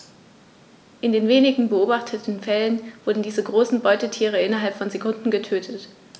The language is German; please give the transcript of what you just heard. In den wenigen beobachteten Fällen wurden diese großen Beutetiere innerhalb von Sekunden getötet.